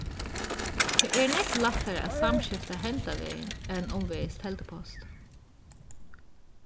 tað er nógv lættari at samskifta henda vegin enn umvegis teldupost